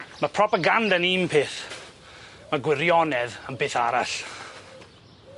Ma' propaganda'n un peth ma'r gwirionedd yn beth arall.